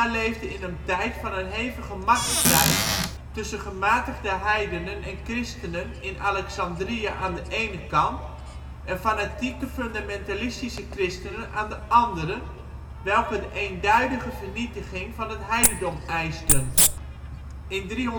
leefde in een tijd van een hevige machtsstrijd tussen gematigde heidenen en christenen in Alexandrië aan de ene kant en fanatieke fundamentalistische christenen aan de andere, welke de eenduidige vernietiging van het heidendom eisten. In